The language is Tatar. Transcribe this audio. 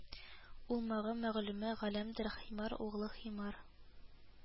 Улмагым мәгълүме галәмдер химар угълы химар